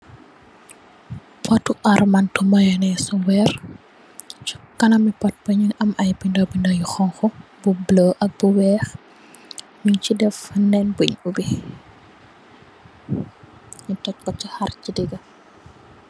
Poto armantu mayoneesu weer, cha kanami pot ba ñu am binda binda yu xonxu, bu buleuh, ak bu weex, ñung cha def nen buñ ubi, ñu toch ko cha harr cha diga.